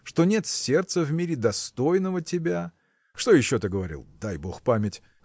что нет сердца в мире, достойного тебя?. Что еще ты говорил?. дай бог памяти.